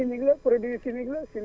chimique la produit chimique la